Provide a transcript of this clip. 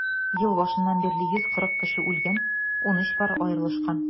Ел башыннан бирле 140 кеше үлгән, 13 пар аерылышкан.